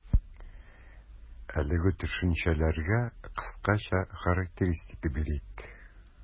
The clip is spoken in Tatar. Әлеге төшенчәләргә кыскача характеристика бирик.